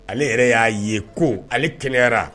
Ale yɛrɛ y'a ye ko ale kɛnɛyayara